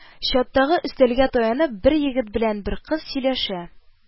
Чаттагы өстәлгә таянып, бер егет белән бер кыз сөйләшә